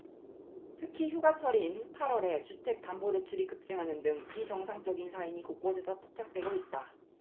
특히 휴가철인 팔 월에 주택담보대출이 급증하는 등 비정상적인 사인이 곳곳에서 포착되고 있다